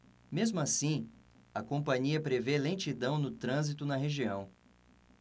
mesmo assim a companhia prevê lentidão no trânsito na região